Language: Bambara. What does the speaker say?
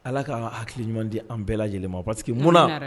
Ala k' hakili ɲuman di an bɛɛ lajɛlen ma parce que mun